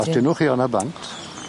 Os dynwch chi onna bant.